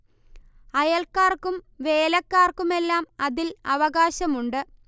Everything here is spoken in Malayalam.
അയൽക്കാർക്കും വേലക്കാർക്കുമെല്ലാം അതിൽ അവകാശമുണ്ട്